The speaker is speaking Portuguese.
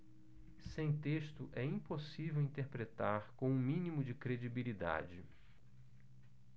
sem texto é impossível interpretar com o mínimo de credibilidade